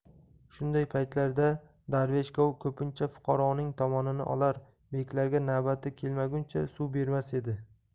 shunday paytlarda darvesh gov ko'pincha fuqaroning tomonini olar beklarga navbati kelmaguncha suv bermas edi